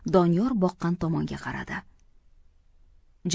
doniyor boqqan tomonga qaradi